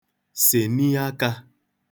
sèni akā